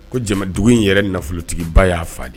Ko jama dugu in yɛrɛ nafolotigiba ya fa